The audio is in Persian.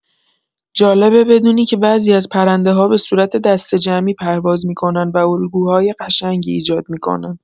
جالبه بدونی که بعضی از پرنده‌ها به صورت دسته‌جمعی پرواز می‌کنن و الگوهای قشنگی ایجاد می‌کنن.